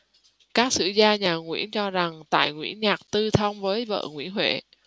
các sử gia nhà nguyễn cho rằng tại nguyễn nhạc tư thông với vợ nguyễn huệ